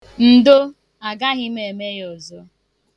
Ndo! Agaghị m eme ya ọzọ.